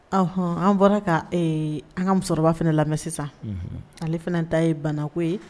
Ɔnhɔn an bɔra ka ee an ŋa musɔkɔrɔba fɛnɛ lamɛn sisan unhun ale fɛnɛn ta ye banako ye